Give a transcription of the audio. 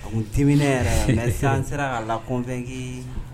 A tun dimi na yɛrɛ yɛrɛsɛ mais sisan n sera ka la convaincu